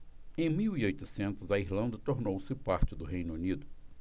em mil e oitocentos a irlanda tornou-se parte do reino unido